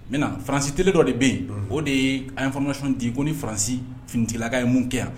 Mɛ faransi teli dɔ de bɛ yen o de ye an ye fanasi ko ni faransi ftilaka ye mun kɛ